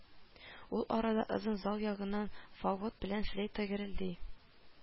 Ул арада озын зал ягыннан Фагот белән флейта гөрелди